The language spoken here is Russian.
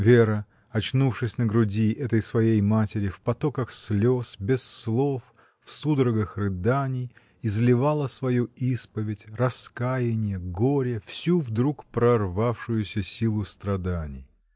Вера, очнувшись на груди этой своей матери, в потоках слез, без слов, в судорогах рыданий, изливала свою исповедь, раскаяние, горе, всю вдруг прорвавшуюся силу страданий.